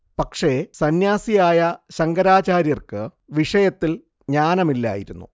പക്ഷേ സന്ന്യാസിയായ ശങ്കരാചാര്യർക്ക് വിഷയത്തിൽ ജ്ഞാനമില്ലായിരുന്നു